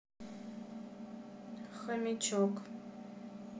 хомячок